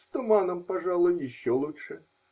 С туманом, пожалуй, еще лучше.